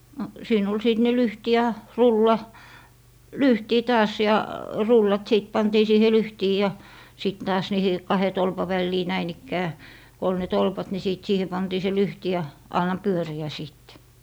no siinä oli sitten ne lyhti ja rulla lyhtiin taas ja rullat sitten pantiin siihen lyhtiin ja sitten taas niihin kahden tolpan väliin näin ikään kun oli ne tolpat niin sitten siihen pantiin se lyhti ja anna pyöriä sitten